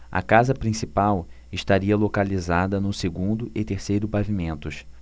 a casa principal estaria localizada no segundo e terceiro pavimentos